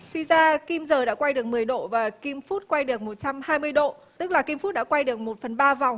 suy ra kim giờ đã quay được mười độ và kim phút quay được một trăm hai mươi độ tức là kim phút đã quay được một phần ba vòng